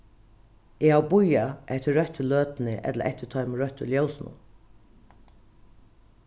eg havi bíðað eftir røttu løtuni ella eftir teimum røttu ljósunum